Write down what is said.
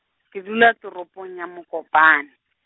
ke dula toropong ya Mokopane.